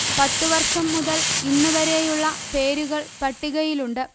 പത്തുവർഷം മുതൽ ഇന്നു വരെയുള്ള പേരുകൾ പട്ടികയിലുണ്ട്